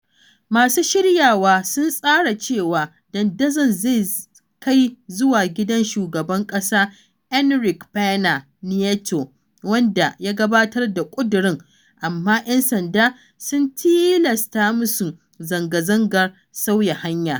Masu shiryawa sun tsara cewa dandazon zai kai zuwa gidan shugaban ƙasa Enrique Pena Nieto, wanda ya gabatar da ƙudirin, amma ‘yan sanda sun tilasta masu zanga-zanga sauya hanya.